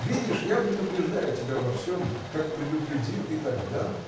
Видишь, я предупреждаю тебя во всем, как предупредил и тогда.